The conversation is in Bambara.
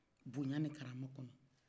bonya ni karama kɔnɔ